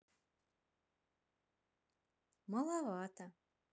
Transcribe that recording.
маловато